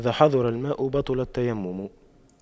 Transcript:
إذا حضر الماء بطل التيمم